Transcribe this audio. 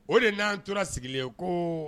O de nan tora sigilen ko